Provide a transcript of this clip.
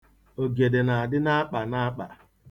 Ogede na-adị n'akpa n'akpa.